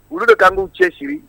Olu de k'an'u cɛ siri